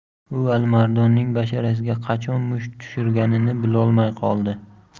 u alimardonning basharasiga qachon musht tushirganini bilolmay qoldi